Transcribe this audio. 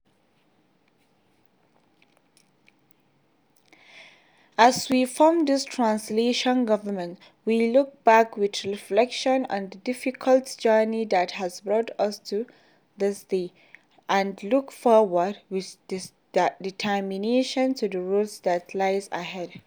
As we form this transitional government, we look back with reflection on the difficult journey that has brought us to this day, and look forward with determination to the road that lies ahead.